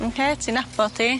Mcê ti'n nabod hi.